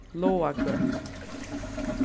lágagøta